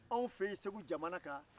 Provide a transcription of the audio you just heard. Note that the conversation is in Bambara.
anw fɛ yen segu jamana kan